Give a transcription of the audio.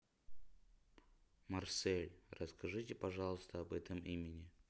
марсель расскажите пожалуйста об этом имени